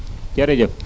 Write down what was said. jërëjëf